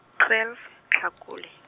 twelve, Tlhakole.